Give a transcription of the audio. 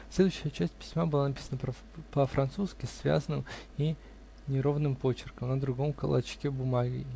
Следующая часть письма была написана по-французски, связным и неровным почерком, на другом клочке бумаги.